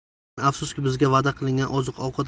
lekin afsuski bizga va'da qilingan oziq ovqat